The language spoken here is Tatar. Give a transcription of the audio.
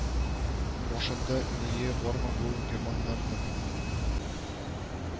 Башында мие бармы бу германнарның